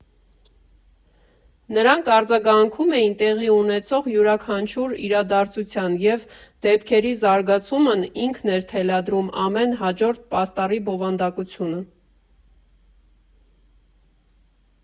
Նրանք արձագանքում էին տեղի ունեցող յուրաքանչյուր իրադարձության և դեպքերի զարգացումն ինքն էր թելադրում ամեն հաջորդ պաստառի բովանդակությունը։